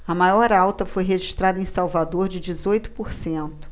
a maior alta foi registrada em salvador de dezoito por cento